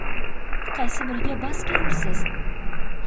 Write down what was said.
qaysi biriga bas kelursiz